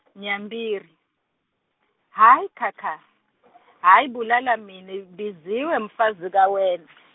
Nyampiri, Hayi kha kha , hhayi bulala mine biziwe mfazi kawena.